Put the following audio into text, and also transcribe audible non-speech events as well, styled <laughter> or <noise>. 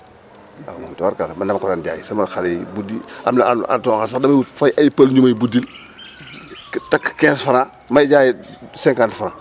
waaw tubarfakala man dama ko daan jaay sama xale yi budi am na ay temps yoo xam ni damay wut fay ay pël ñu lay buddil takk 15F may jaayee 50F <noise>